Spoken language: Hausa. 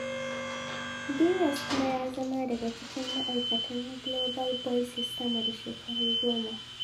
Diaz kuma ya zama daga cikin ma'aikatan Global ɓoices sama da shekaru goma.